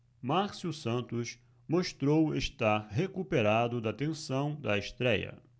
márcio santos mostrou estar recuperado da tensão da estréia